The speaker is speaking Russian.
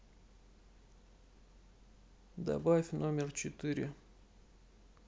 добавь номер четыре